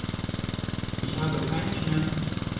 Ich habe keine Schmerzen.